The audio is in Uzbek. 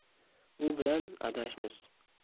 u bilan adashmiz